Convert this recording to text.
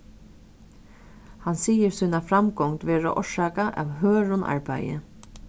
hann sigur sína framgongd vera orsakað av hørðum arbeiði